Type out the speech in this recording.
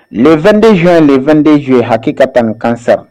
Le 22 juin, le 22 juillet , Hakikatane , cancer